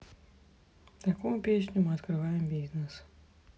такую песню мы открываем бизнес